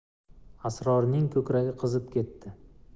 asrorning ko'kragi qizib ketdi